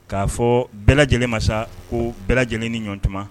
K'a fɔ bɛɛ lajɛlen masa ko bɛɛ lajɛlen ni ɲɔgɔntuma